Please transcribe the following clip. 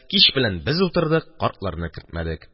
Кич белән без утырдык, картларны кертмәдек.